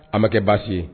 An bɛ kɛ baasi ye